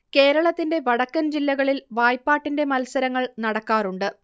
കേരളത്തിൻറെ വടക്കൻ ജില്ലകളിൽ വായ്പാട്ടിൻറെ മത്സരങ്ങൾ നടക്കാറുണ്ട്